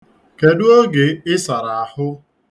Kedu oge I sara ahụ?